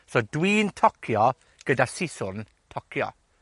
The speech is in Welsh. S dwi'n tocio gyda siswrn tocio.